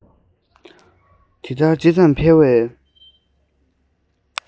ད ལྟར ཇི ཙམ འཕེལ བའི